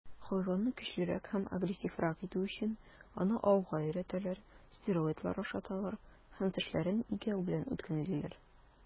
Хайванны көчлерәк һәм агрессиврак итү өчен, аны ауга өйрәтәләр, стероидлар ашаталар һәм тешләрен игәү белән үткенлиләр.